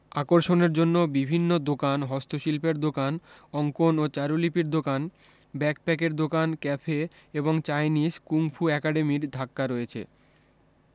আকর্ষণের জন্য বিভিন্ন দোকান হস্তশিল্পের দোকান অঙ্কন ও চারুলিপির দোকান ব্যাকপ্যাকের দোকান ক্যাফে এবং চাইনীজ কুং ফু একাডেমীর ধাক্কা রয়েছে